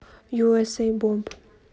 ю эс эй бомб